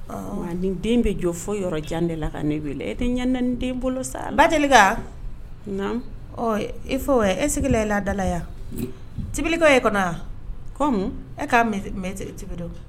Den bɛ jɔ fɔ yɔrɔ jan de la ka ne e tɛ ɲɛ den bolo sa ba deli e fɔ e sigilen e ladalaya tibiliko ye kɔnɔ kɔmi e k'a mɛ tibi dɔ